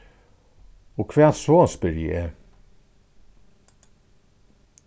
og hvat so spyrji eg